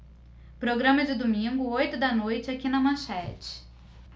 programa de domingo oito da noite aqui na manchete